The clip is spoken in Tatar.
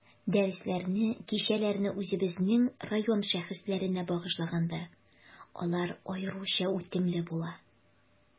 Дәресләрне, кичәләрне үзебезнең район шәхесләренә багышлаганда, алар аеруча үтемле була.